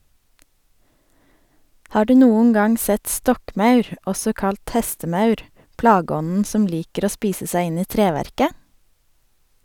Har du noen gang sett stokkmaur , også kalt hestemaur , plageånden som liker å spise seg inn i treverket?